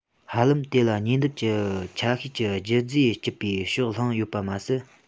ཧ ལམ དེ ལ ཉེ འདབས ཀྱི ཆ ཤས ཀྱི བཅུད རྫས འཇིབ པའི ཕྱོགས ལྷུང ཡོད པ མ ཟད